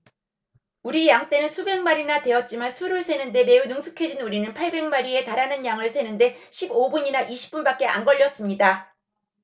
우리 양 떼는 수백 마리나 되었지만 수를 세는 데 매우 능숙해진 우리는 팔백 마리에 달하는 양을 세는 데 십 오 분이나 이십 분밖에 안 걸렸습니다